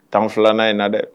Tan filananna in na dɛ